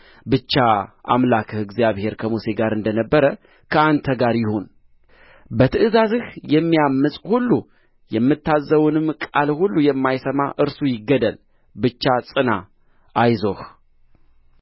ብቻ አምላክህ እግዚአብሔር ከሙሴ ጋር እንደ ነበረ ከአንተ ጋር ይሁን በትእዛዝህ የሚያምፅ ሁሉ የምታዝዘውንም ቃል ሁሉ የማይሰማ እርሱ ይገደል ብቻ ጽና አይዞህ